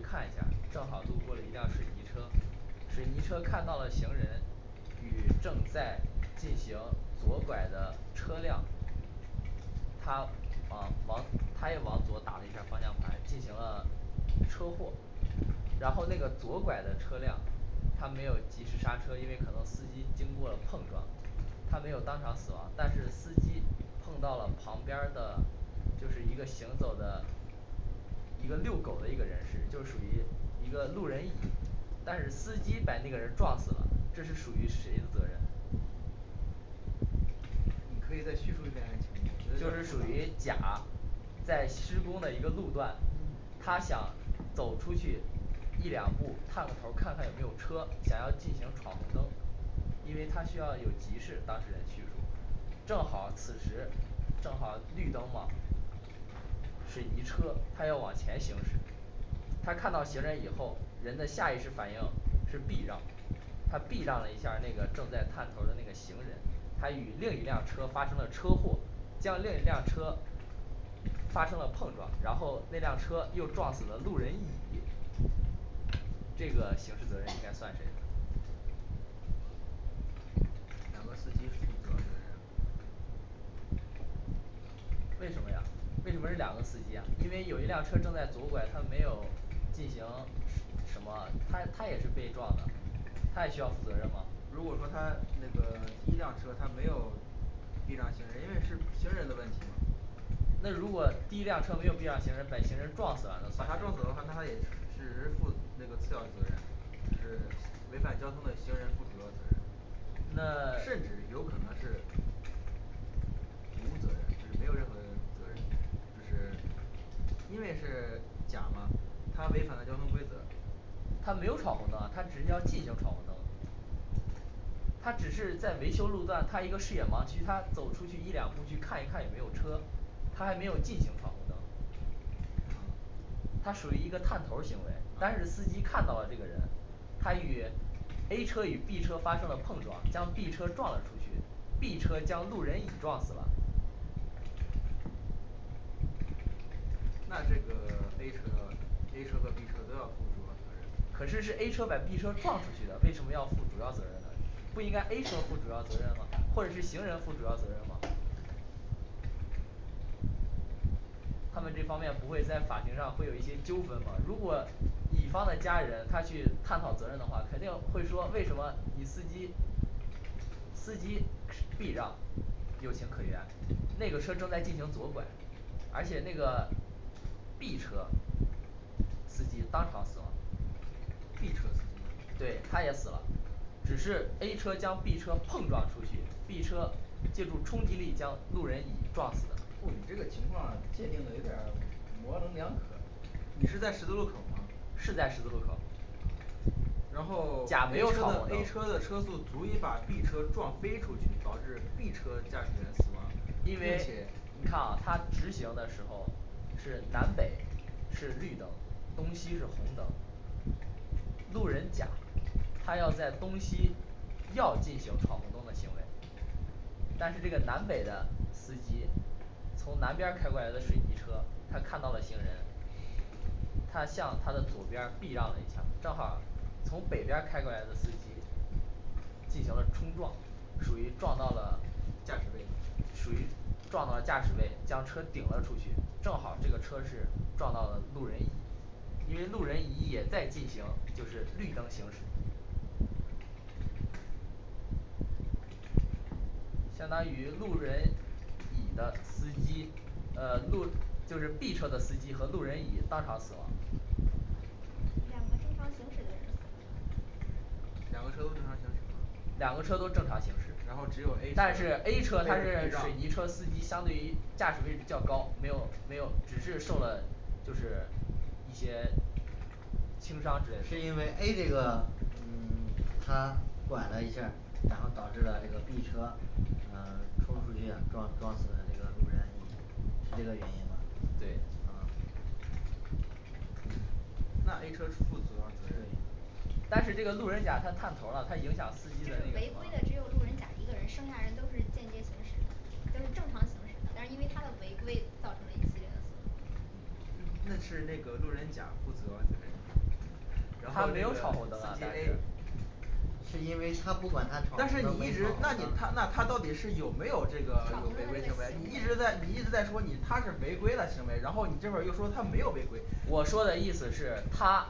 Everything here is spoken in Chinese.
看一下儿，正好路过了一辆水泥车，水泥车看到了行人与正在进行左拐的车辆他往往他也往左打了一下方向盘，进行了车祸，然后那个左拐的车辆，他没有及时刹车，因为可能司机经过了碰撞，他没有当场死亡，但是司机碰到了旁边儿的就是一个行走的一个遛狗的一个人士，就属于一个路人乙。但是司机把那个人儿撞死了，这是属于谁的责任？你可以在叙述一下案情吗就是属于甲在施工的一个路段，他想走出去，一两步探个头儿，看看有没有车想要进行闯红灯，因为他需要有急事当事人叙述，正好儿此时正好儿绿灯嘛水泥车它要往前行驶，他看到行人以后，人的下意识反应是避让，他避让了一下儿那个正在探头儿的那个行人他与另一辆车发生了车祸，将另一辆车发生了碰撞，然后那辆车又撞死了路人乙，这个刑事责任应该算谁？两个司机负主要责任呀为什么呀为什么是两个司机呀？因为有一辆车正在左拐，他没有进行什么他他也是被撞的。他也需要负责任吗？如果说他那个第一辆车他没有避让行人，因为是行人的问题嘛那如果第一辆车没有避让行人把行人撞死了，那把算他撞死的话，那他也只是负那个次要责任就是违反交通的行人负主要责任那甚至有可能是无责任，就是没有任何责任就是因为是甲嘛，他违反了交通规则他没有闯红灯啊，他只是要进行闯红灯，他只是在维修路段，他一个视野盲区，他走出去一两步去看一看有没有车，他还没有进行闯红灯他属于一个探头儿行为，但是司机看到了这个人，他与 A车与B车发生了碰撞，将B车撞了出去，B车将路人乙撞死了。那这个A车A车和B车都要负主要责任，可是是A车把B车撞出去的，为什么要负主要责任呢？不应该A车& &负主要责任吗或者是行人负主要责任吗？他们这嗯方面不会在法庭上会有一些纠纷吗，如果乙方的家人他去探讨责任的话，肯定会说为什么你司机司机避让有情可原，那个车正在进行左拐，而且那个B车司机当场死亡 B车司机死亡对他也死了只是A车将B车碰撞出去B车，借助冲击力将路人乙撞死的不你这个情况儿界定的有点儿模棱两可。你是在十字路口吗？是在十字路口然后甲 A 没有车闯红的灯 A车的车速足以把B车撞飞出去，导致B车驾驶员死亡。并因为且你看啊他直行的时候，是南北是绿灯，东西是红灯路人甲他要在东西要进行闯红灯的行为但是这个南北的司机从南边儿开过来的水泥车，他看到了行人，他向他的左边儿避让了一下，正好从北边儿开过来的司机进行了冲撞，属于撞到了驾驶位置属于撞到了驾驶位，将车顶了出去，正好这个车是撞到了路人乙，因为路人乙也在进行就是绿灯行驶相当于路人乙的司机路呃路就是B车的司机和路人乙当场死亡，两个正常行驶的人是吗两个车都正常行驶吗两个车都正常行驶然后只有A，但是A 车车他他是是水避泥让车司机，相对于驾驶位置较高，没有没有只是受了就是一些轻伤之类是的因为A这个嗯 他拐了一下儿，然后导致了这个B车呃冲出去撞撞死了这个路人乙是这个原因吗对啊那A车负主要责任但是这个路人甲他探头儿了，他影响司机就的是什么违规的，只有路人甲一个人，剩下人都是间接行驶的，都是正常行驶的，但是因为它的违规造成了一系列的死亡那是那个路人甲负主要责任然他后那没有个司闯红灯啊机但 A 是是因为他不管他闯但是红灯你一没直闯红那你灯，他那他到底是有没有这个闯有红违灯的规行行为为，你一直在你一直在说你他是违规的行为，然后你这会儿又说他没有违规我说的意思是他